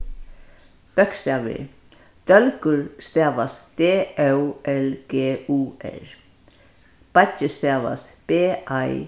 bókstavir dólgur stavast d ó l g u r beiggi stavast b ei